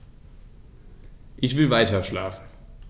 Ich will weiterschlafen.